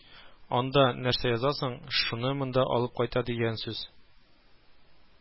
Анда нәрсә язасың, шуны монда алып кайта дигән сүз